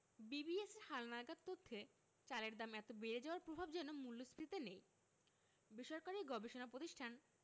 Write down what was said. বিবিএসের হালনাগাদ তথ্যে চালের দাম এত বেড়ে যাওয়ার প্রভাব যেন মূল্যস্ফীতিতে নেই বেসরকারি গবেষণা প্রতিষ্ঠান